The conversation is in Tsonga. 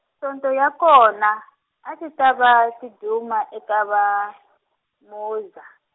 Sonto ya kona, a ti ta va, tiduma eka va, Mauzer.